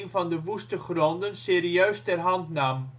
van de woeste gronden serieus ter hand nam